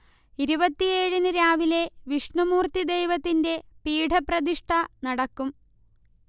ഇരുപത്തിയേഴിന് രാവിലെ വിഷ്ണുമൂർത്തി ദൈവത്തിന്റെ പീഠപ്രതിഷ്ഠ നടക്കും